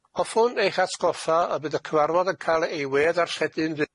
Hoffwn eich atgoffa y bydd y cyfarfod yn cael ei we ddarlledu'n f-